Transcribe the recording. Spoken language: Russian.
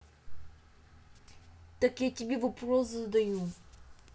так я тебе вопрос задаю